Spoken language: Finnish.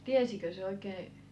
tiesikö se oikein